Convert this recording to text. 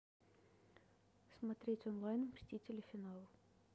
смотреть онлайн мстители финал